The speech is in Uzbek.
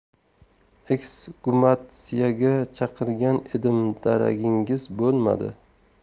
eksgumatsiyaga chaqirgan edim daragingiz bo'lmadi